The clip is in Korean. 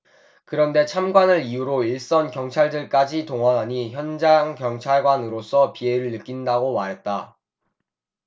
그런데 참관을 이유로 일선 경찰들까지 동원하니 현장 경찰관으로서 비애를 느낀다고 말했다